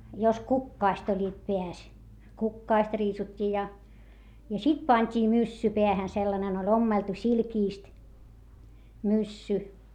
jos kukkaset olivat päässä kukkaset riisuttiin ja ja sitten pantiin myssy päähän sellainen oli ommeltu silkistä myssy